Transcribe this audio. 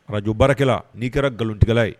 Arajo baarakɛla n'i kɛra nkalontigɛla ye